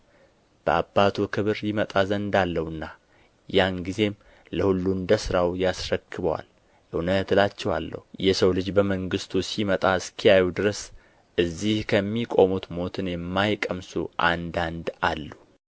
በአባቱ ክብር ይመጣ ዘንድ አለውና ያን ጊዜም ለሁሉ እንደ ሥራው ያስረክበዋል እውነት እላችኋለሁ የሰው ልጅ በመንግሥቱ ሲመጣ እስኪያዩ ድረስ እዚህ ከሚቆሙት ሞትን የማይቀምሱ አንዳንድ አሉ